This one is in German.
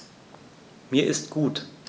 Mir ist gut.